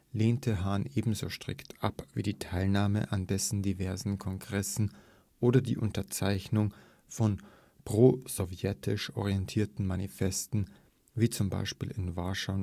lehnte Hahn ebenso strikt ab wie die Teilnahme an dessen diversen Kongressen oder die Unterzeichnung von prosowjetisch orientierten Manifesten, wie z. B. in Warschau